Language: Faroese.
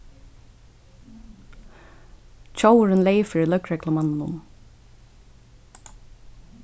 tjóvurin leyg fyri løgreglumanninum